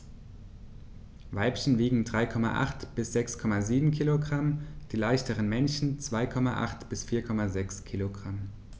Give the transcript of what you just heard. Weibchen wiegen 3,8 bis 6,7 kg, die leichteren Männchen 2,8 bis 4,6 kg.